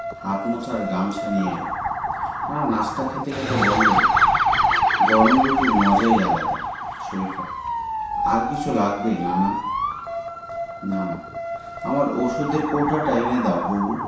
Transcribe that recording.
হাত মোছার গামছা নিয়ে এলো নানা নাশতা খেতে খেতে বললেন গরম রুটির মজাই আলাদা শরিফা আর কিছু লাগবে নানা নানা আমার ঔষধের কৌটোটা এনে দাও বুবু